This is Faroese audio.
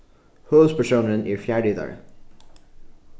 høvuðspersónurin er fjarritari